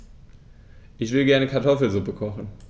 Ich will gerne Kartoffelsuppe kochen.